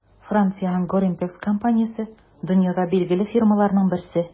Франциянең Gorimpex компаниясе - дөньяда билгеле фирмаларның берсе.